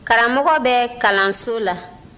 karamɔgɔ bɛ kalanso la